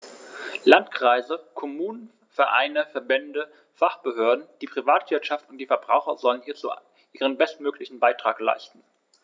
Landkreise, Kommunen, Vereine, Verbände, Fachbehörden, die Privatwirtschaft und die Verbraucher sollen hierzu ihren bestmöglichen Beitrag leisten.